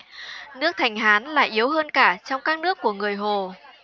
nước thành hán là yếu hơn cả trong các nước của người hồ